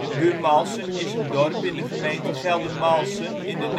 Buurmalsen is een dorp in de gemeente Geldermalsen in de